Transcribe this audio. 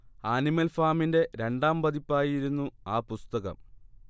animal ഫാമിന്റെ രണ്ടാം പതിപ്പായിരുന്നു ആ പുസ്തകം